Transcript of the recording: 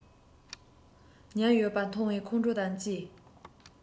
ཉལ ཡོད པ མཐོང བས ཁོང ཁྲོ དང བཅས